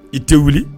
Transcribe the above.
I tɛ wuli